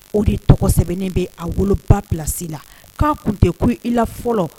O de tɔgɔ sɛbɛnnen bɛ a woloba plasi la k' kun tɛ ko i la fɔlɔ